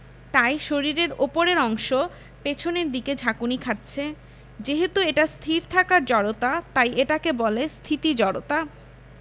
তাই শরীরের ওপরের অংশ পেছনের দিকে ঝাঁকুনি খাচ্ছে যেহেতু এটা স্থির থাকার জড়তা তাই এটাকে বলে স্থিতি জড়তা